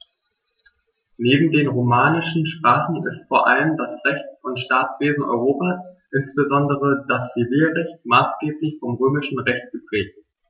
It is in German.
Neben den romanischen Sprachen ist vor allem das Rechts- und Staatswesen Europas, insbesondere das Zivilrecht, maßgeblich vom Römischen Recht geprägt.